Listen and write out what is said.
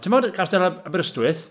Timod, castell Ab- Aberystwyth?